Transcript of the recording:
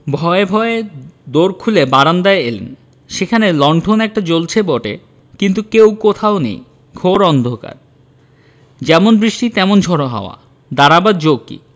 ভয়ে ভয়ে দোর খুলে বারান্দায় এলেন সেখানে লণ্ঠন একটা জ্বলচে বটে কিন্তু কেউ কোথাও নেই ঘোর অন্ধকার যেমন বৃষ্টি তেমনি ঝড়ো হাওয়া দাঁড়াবার জো কি